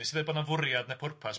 Wnes i ddweud bod o'n fwriad na pwrpas.